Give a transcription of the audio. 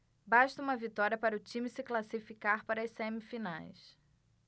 basta uma vitória para o time se classificar para as semifinais